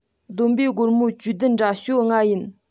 བསྡོམས པས སྒོར མོ བཅུ བདུན ར ཞོ ལྔ ཡིན